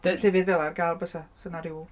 llefydd fel 'na ar gael fysa? 'Sa 'na ryw...